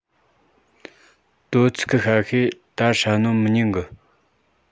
དོ ཚིགས གི ཤ ཤེད ད ཧྲ ནོ མི ཉན གི